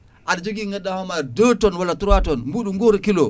aɗa jogui ko ganduɗa hoorema deux tonnes walla trois tonnes mbuɗu gotu kilo